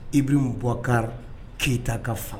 Ibrim Boubacar Keita ka f